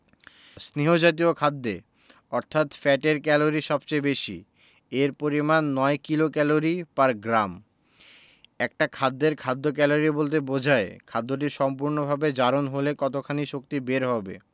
স্নেহ জাতীয় খাদ্যে অর্থাৎ ফ্যাটের ক্যালরি সবচেয়ে বেশি এর পরিমান ৯ কিলোক্যালরি পার গ্রাম একটা খাদ্যের খাদ্য ক্যালোরি বলতে বোঝায় খাদ্যটি সম্পূর্ণভাবে জারণ হলে কতখানি শক্তি বের হবে